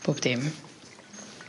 pob dim